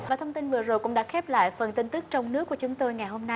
và thông tin vừa rồi cũng đã khép lại phần tin tức trong nước của chúng tôi ngày hôm nay